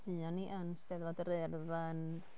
Fuon ni yn Steddfod yr Urdd yn...